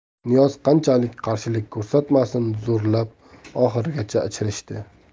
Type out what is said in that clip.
niyoz qanchalik qarshilik ko'rsatmasin zo'rlab oxirigacha ichirishdi